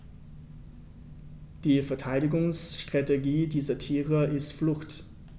Die Verteidigungsstrategie dieser Tiere ist Flucht.